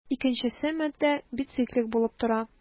Икенчесе матдә бициклик булып тора.